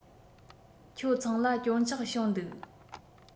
ཁྱོད ཚང ལ སྐྱོན ཆག བྱུང འདུག